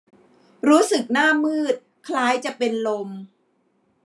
รู้สึกหน้ามืดคล้ายจะเป็นลม